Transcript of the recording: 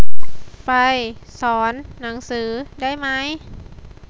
ไปสอนหนังสือได้ไหม